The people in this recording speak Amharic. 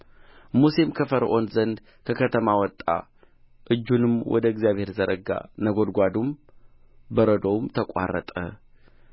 ሙሴም ከፈርዖን ዘንድ ከከተማ ወጣ እጁንም ወደ እግዚአብሔር ዘረጋ ነጎድጓዱም በረዶውም ተቋረጠ